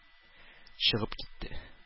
Чыгып китте